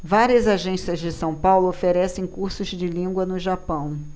várias agências de são paulo oferecem cursos de língua no japão